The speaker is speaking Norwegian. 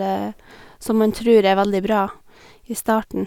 Som man tror er veldig bra i starten.